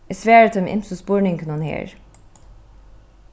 eg svari teimum ymsu spurningunum her